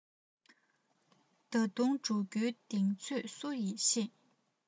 ད དུང འགྲོ རྒྱུའི གདེང ཚོད སུ ཡིས ཤེས